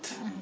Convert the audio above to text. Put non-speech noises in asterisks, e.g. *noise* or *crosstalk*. *hesitation* *hesitation*